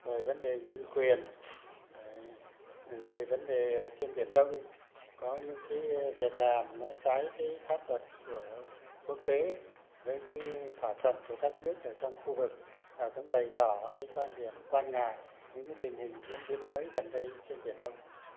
rồi vấn đề nhân quyền đấy rồi vấn đề trên biển đông có những cái việc làm nó trái với pháp luật của quốc tế với cái thỏa thuận của các nước ở trong khu vực và cũng bày tỏ cái quan điểm quan ngại những tình hình diễn biến mới gần đây trên biển đông